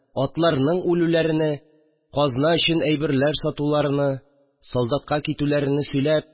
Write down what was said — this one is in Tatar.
Атларның үлүләрене, казна өчен әйберләр сатуларыны , солдатка китүләрене сөйләп